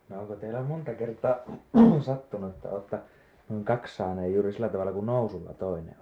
no onko teillä monta kertaa sattunut että olette noin kaksi saaneet juuri sillä tavalla kun nousulla toinen on